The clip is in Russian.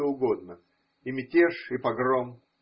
что угодно: и мятеж, и погром.